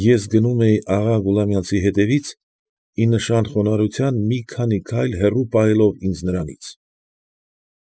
Ես գնում էի աղա Գուլամյանցի հետևից, ի նշան խոնարհության, մի քանի քայլ հեռու պահելով ինձ նրանից։